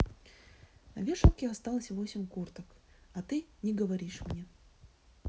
на вешалке осталась восемь курток а ты не говоришь мне